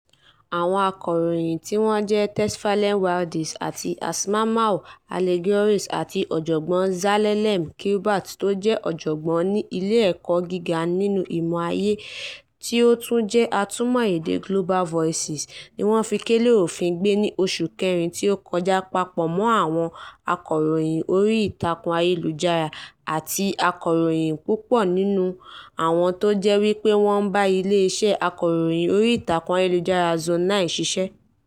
Àwọn akọ̀ròyìn tí wọ́n ń jẹ́ Tesfalem Waldyes àti Asmamaw Hailegiorgis àti ọ̀jọ̀gbọ́n Zelalem Kiberet to jẹ́ ọ̀jọ̀gbọ́n ní ilé ẹ̀kọ́ gíga nínú ìmọ̀ ayé, tí ó tún jẹ́ atúmọ̀ èdè Global Voices, ní wọ́n fi kélé òfin gbé ní oṣù kẹrin tí ó kọjá papọ̀ mọ́ àwọn akọ̀ròyìn orí ìtàkùn ayélujára àti akọ̀ròyìn, púpọ̀ nínú àwọn tó jẹ́ wípé wọ́n bá ilé iṣẹ́ akọ̀ròyìn orí ìtàkùn ayélujára Zone9 ṣiṣẹ́.